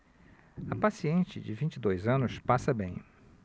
a paciente de vinte e dois anos passa bem